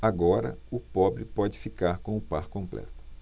agora o pobre pode ficar com o par completo